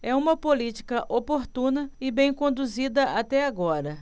é uma política oportuna e bem conduzida até agora